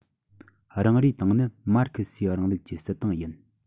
རང རེའི ཏང ནི མར ཁེ སིའི རིང ལུགས ཀྱི སྲིད ཏང ཡིན